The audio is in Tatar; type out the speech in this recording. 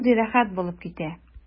Шундый рәхәт булып китә.